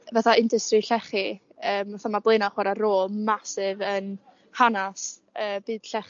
fatha industry llechi yy fatha' ma' Bleuna'n chwara' rôl massive yn hanas y byd llechi a